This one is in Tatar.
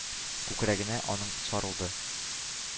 Күкрәгенә аның сарылды.